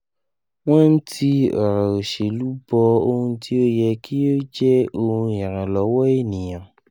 Wọn n ti ọrọ oṣelu bọ ohun ti o yẹ ki o jẹ ohun iranlọwọ eniyan.”